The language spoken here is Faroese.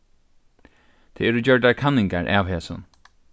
tað eru gjørdar kanningar av hesum